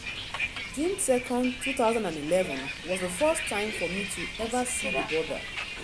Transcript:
June 2nd 2011 was the first time for me to ever see the border.